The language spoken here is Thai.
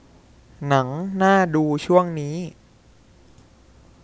หนังน่าดูช่วงนี้